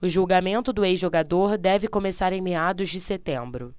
o julgamento do ex-jogador deve começar em meados de setembro